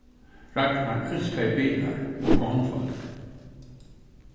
ragnar elskaði bilar og konufólk